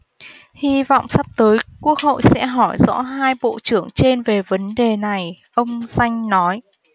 hy vọng sắp tới quốc hội sẽ hỏi rõ hai bộ trưởng trên về vấn đề này ông doanh nói